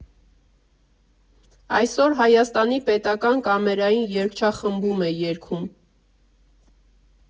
Այսօր Հայաստանի պետական կամերային երգչախմբում է երգում։